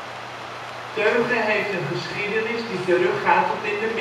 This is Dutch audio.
Teuge heeft een geschiedenis die terug gaat tot in